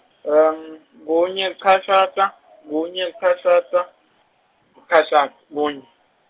kunye licashata kunye licashata licashata kunye.